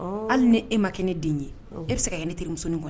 Uun. Hali ni e ma kɛ ne den ye, e bɛ se ka kɛ ne terimusonin ye.